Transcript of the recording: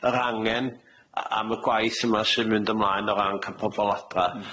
yr angen a- am y gwaith yma sy'n mynd ymlaen o ran ca'l pobol adra.